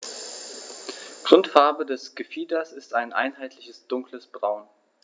Grundfarbe des Gefieders ist ein einheitliches dunkles Braun.